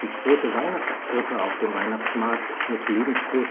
große Weihnachtskrippe auf dem Weihnachtsmarkt mit lebensgroßen